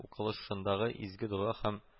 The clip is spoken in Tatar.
Укылышындагы изге дога һәм